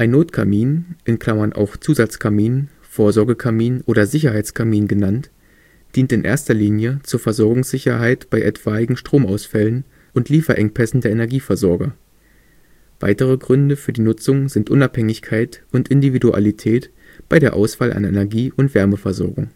Notkamin (auch Zusatzkamin, Vorsorgekamin oder Sicherheitskamin genannt) dient in erster Linie zur Versorgungssicherheit bei etwaigen Stromausfällen und Lieferengpässen der Energieversorger. Weitere Gründe für die Nutzung sind Unabhängigkeit und Individualität bei der Auswahl an Energie - und Wärmeversorgung